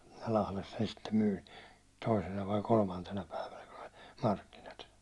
Lahdessa sen sitten myin toisena vai kolmantena päivänä kun oli markkinat